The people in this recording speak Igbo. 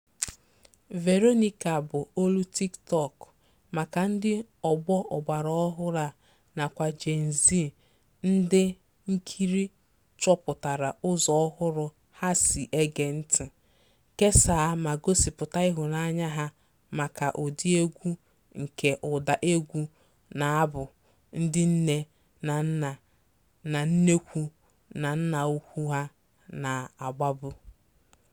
Veronica bụ olu TikTok maka ndị ọgbọ ọgbaraọhụrụ a nakwa Gen Z - ndị nkiri chọpụtara ụzọ ọhụrụ ha sị e gee ntị, kesaa ma gosịpụta ịhụnanya ha maka ụdị egwu nke ụdaegwu na abụ ndị nne na nna na nneukwu na nnàúkwú ha na-agbabu.